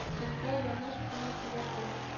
Чынында яныш кына сүләде